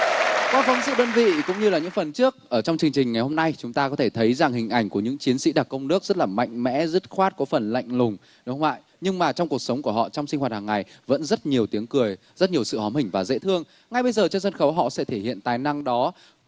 qua phóng sự đơn vị cũng như là những phần trước ở trong chương trình ngày hôm nay chúng ta có thể thấy rằng hình ảnh của những chiến sĩ đặc công nước rất là mạnh mẽ dứt khoát có phần lạnh lùng đúng không ạ nhưng mà trong cuộc sống của họ trong sinh hoạt hằng ngày vẫn rất nhiều tiếng cười rất nhiều sự hóm hỉnh và dễ thương ngay bây giờ trên sân khấu họ sẽ thể hiện tài năng đó